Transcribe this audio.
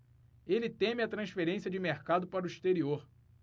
ele teme a transferência de mercado para o exterior